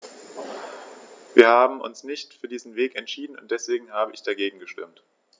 Wir haben uns nicht für diesen Weg entschieden, und deswegen habe ich dagegen gestimmt.